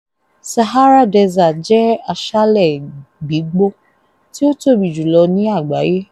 Sahara Desert jẹ́ aṣálẹ̀ gbígbó tí ó tóbi jùlọ ní àgbáyé.